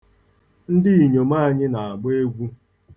Ndịìnyòm̀ anyị na-agba egwu.